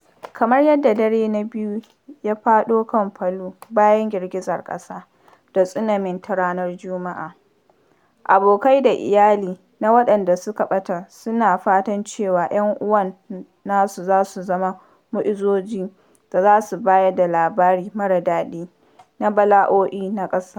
Kamar yadda dare na biyu ya faɗa kan Palu bayan girgizar ƙasa da tsunami ta ranar Juma’a, abokai da iyali na waɗanda suka ɓata suna ta fatan cewa ‘yan uwan nasu za su zama mu’ujizozi da za su bayar da labari mara daɗi na bala’o’i na ƙasa.